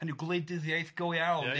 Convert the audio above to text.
hynny yw gwleidyddiaeth go iawn... Ia ia...